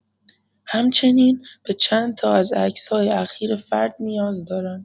همچنین، به چند تا از عکس‌های اخیر فرد نیاز دارن.